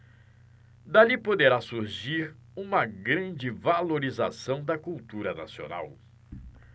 dali poderá surgir uma grande valorização da cultura nacional